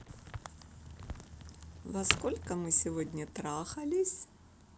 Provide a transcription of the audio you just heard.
во сколько мы сегодня трахались